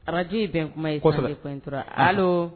Araj in bɛn kuma yesɔ intura ali